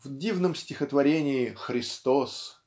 В дивном стихотворении "Христос"